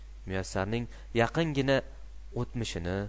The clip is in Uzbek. muyassarning yaqingina o'tmishini